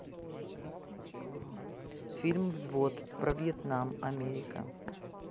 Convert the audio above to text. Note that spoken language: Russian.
фильм взвод про вьетнам америка